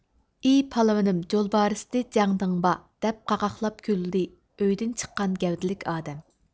ئى پالۋىنىم جولبارىستى جەڭدىڭبا دەپ قاقاقلاپ كۈلدى ئۆيدىن چىققان گەۋدىلىك ئادەم